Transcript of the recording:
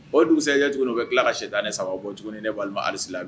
O dugusɛjɛcogo bɛ tila ka si tan ni saba bɔ cogo ni ne walima alisi